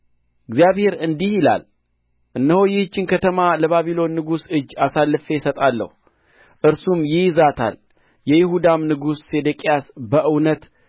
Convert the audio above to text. እግዚአብሔር እንዲህ ይላል እነሆ ይህችን ከተማ ለባቢሎን ንጉሥ እጅ አሳልፌ እሰጣለሁ እርሱም ይይዛታል የይሁዳም ንጉሥ ሴዴቅያስ በእውነት